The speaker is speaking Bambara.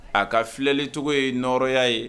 A ka filɛlencogo ye nɔɔrɔya ye